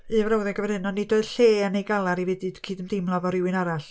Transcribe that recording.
Un frawddeg yn fan hyn "ond nid oedd lle yn ei galar i fedru cydymdeimlo efo rywun arall".